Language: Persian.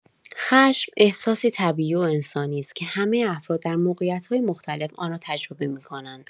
خشم احساسی طبیعی و انسانی است که همه افراد در موقعیت‌های مختلف آن را تجربه می‌کنند.